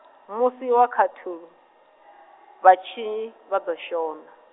musi wa khaṱhulo, vhatshinyi, vha ḓo shona.